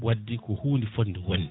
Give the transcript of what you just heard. wadde ko hunde fonde wonde